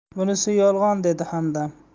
bunisi yolg'on dedi hamdam